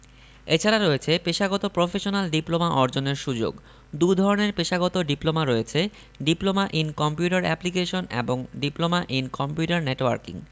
এছাড়া রয়েছে পেশাগত প্রফেশনাল ডিপ্লোমা অর্জনের সুযোগ দুধরনের পেশাগত ডিপ্লোমা রয়েছে ডিপ্লোমা ইন কম্পিউটার অ্যাপ্লিকেশন এবং ডিপ্লোমা ইন কম্পিউটার নেটওয়ার্কিং